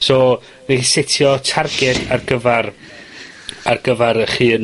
So, ni 'lly setio targed ar gyfar, ar gyfar 'ych hun.